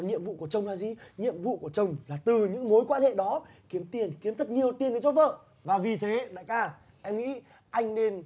nhiệm vụ của chồng là gì nhiệm vụ của chồng là từ những mối quan hệ đó kiếm tiền kiếm thật nhiều tiền về cho vợ mà vì thế đại ca em nghĩ anh nên